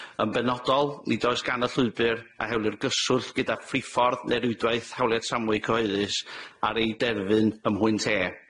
Yn benodol, nid oes gan y llwybyr a hewlir gyswllt gyda phriffordd ne' rwydwaith hawliau tramwy cyhoeddus ar ei derfyn ym mhwynt E.